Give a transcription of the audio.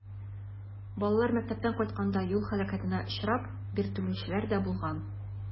Балалар мәктәптән кайтканда юл һәлакәтенә очрап, биртелүчеләр дә булган.